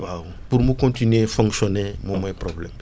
waaw pour mu continuer fonctionner moom mooy problème bi